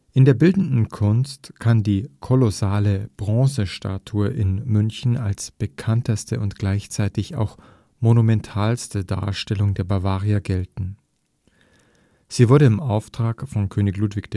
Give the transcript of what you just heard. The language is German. In der bildenden Kunst kann die kolossale Bronzestatue in München als bekannteste und gleichzeitig auch monumentalste Darstellung der Bavaria gelten. Sie wurde im Auftrag von König Ludwig